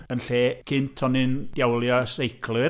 Yn lle gynt, o'n i'n diawlio seiclwyr.